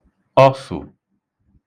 ọsụ̀